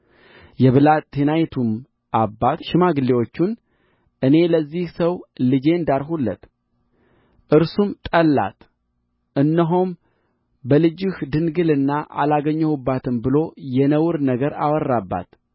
የብላቴናይቱም አባት ሽምግሌዎቹን እኔ ለዚህ ሰው ልጄን ዳርሁለት እርሱም ጠላት እነሆም በልጅህ ድንግልና አላገኘሁባትም ብሎ የነውር ነገር አወራባት